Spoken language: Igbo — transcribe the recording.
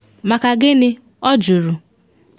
Maka gịnị? ọ jụrụ.